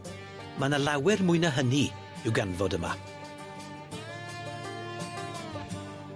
Ma' 'na lawer mwy na hynny i'w ganfod yma.